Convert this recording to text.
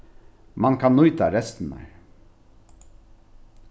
mann kann nýta restirnar